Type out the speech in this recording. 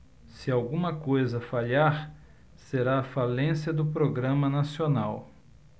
se alguma coisa falhar será a falência do programa nacional